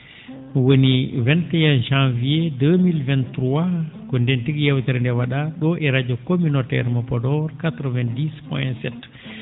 woni 21 janvier 2023 ko ndeen tigi yeewtere ndee wa?aa ?o e radio communautaire mo Podor 90 POINT 7